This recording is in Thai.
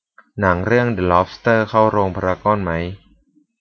หนังเรื่องเดอะล็อบสเตอร์เข้าโรงพารากอนมั้ย